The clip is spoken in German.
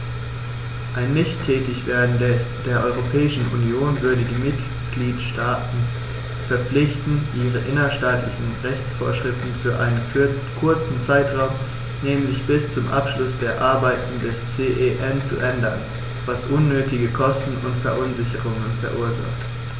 Ein Nichttätigwerden der Europäischen Union würde die Mitgliedstaten verpflichten, ihre innerstaatlichen Rechtsvorschriften für einen kurzen Zeitraum, nämlich bis zum Abschluss der Arbeiten des CEN, zu ändern, was unnötige Kosten und Verunsicherungen verursacht.